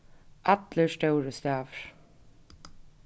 allir stórir stavir